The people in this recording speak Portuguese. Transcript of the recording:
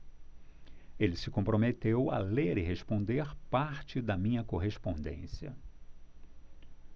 ele se comprometeu a ler e responder parte da minha correspondência